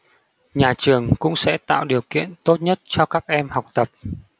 nhà trường cũng sẽ tạo điều kiện tốt nhất cho các em học tập